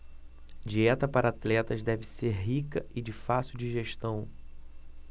dieta para atletas deve ser rica e de fácil digestão